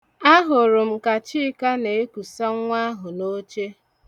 Ahụrụ m ka Chika na-ekusa nwa ahụ n'oche.